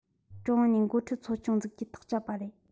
ཀྲུང དབྱང ནས འགོ ཁྲིད ཚོ ཆུང འཛུགས རྒྱུ ཐག བཅད པ རེད